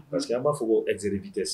Parce que an b'a fɔ ko excès de vitesse